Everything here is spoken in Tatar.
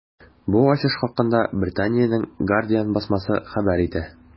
Бу ачыш хакында Британиянең “Гардиан” басмасы хәбәр итә.